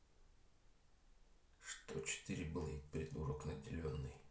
что четыре блейд придурок наделенный